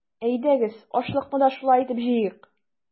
Әйдәгез, ашлыкны да шулай итеп җыйыйк!